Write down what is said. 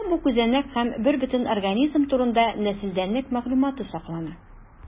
Төштә бу күзәнәк һәм бербөтен организм турында нәселдәнлек мәгълүматы саклана.